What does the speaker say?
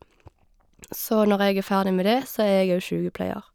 Så når jeg er ferdig med det, så er jeg òg sjukepleier.